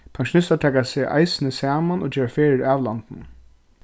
pensjonistar taka seg eisini saman og gera ferðir av landinum